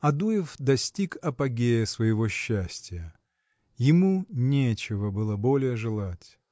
Адуев достиг апогея своего счастия. Ему нечего было более желать.